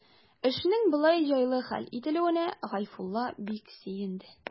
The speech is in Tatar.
Эшнең болай җайлы хәл ителүенә Гайфулла бик сөенде.